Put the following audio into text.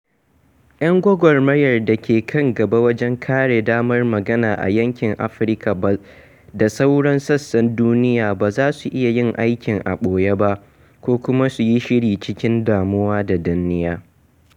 Yan gwagwarmayar da ke kan gaba wajen kare damar magana a yankin Afirka da sauran sassan duniya ba za su iya yin aikin a ɓoye ba ko kuma su yi shiru cikin damuwa da danniya.